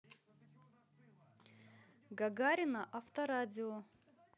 гагарина авторадио